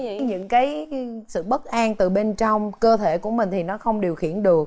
những cái sự bất an từ bên trong cơ thể của mình thì nó không điều khiển được